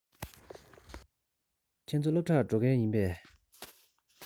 ཁྱེད ཚོ སློབ གྲྭར འགྲོ མཁན ཡིན པས